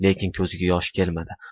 lekin ko'ziga yosh kelmadi